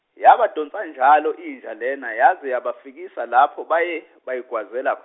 yabadonsa njalo inja lena yaze yabafikisa lapho baye bayigwazela.